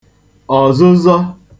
ọ̀zụzọ